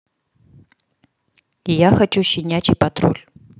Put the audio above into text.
я хочу щенячий патруль